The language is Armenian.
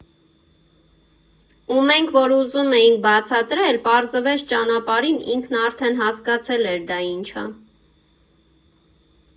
Ու մենք, որ ուզում էինք բացատրել, պարզվեց ճանապարհին ինքն արդեն հասկացել էր դա ինչ ա։